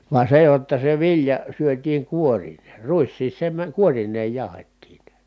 vaan se jotta se vilja syötiin kuorineen ruiskin se - kuorineen jauhettiin